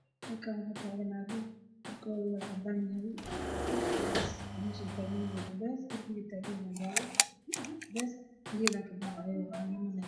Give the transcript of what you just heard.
Waa naago dhar cad cad qabo